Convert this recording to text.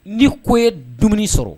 Ni ko ye dumuni sɔrɔ